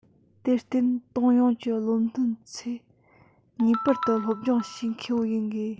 དེར བརྟེན ཏང ཡོངས ཀྱི བློ མཐུན ཚོས ངེས པར དུ སློབ སྦྱོང བྱེད མཁས པོ ཡིན དགོས